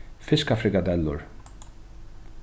fiskafrikadellur